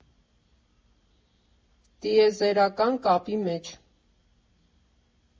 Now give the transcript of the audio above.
Տիեզերական կապի մեջ։